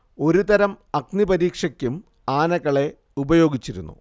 ഒരു തരം അഗ്നിപരീക്ഷയ്ക്കും ആനകളെ ഉപയോഗിച്ചിരുന്നു